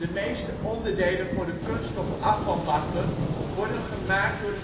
meeste onderdelen voor de kunststof afvalbakken worden gemaakt door